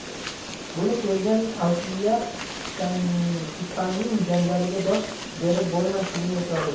buni ko'rgan alkiviad ksantippaning janjaliga dosh berib bo'lmasligini etirof etadi